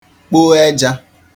kpo eja